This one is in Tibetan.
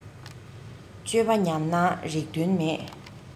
སྤྱོད པ ཉམས ན རིགས དོན མེད